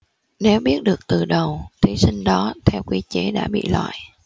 nếu biết được từ đầu thí sinh đó theo quy chế đã bị loại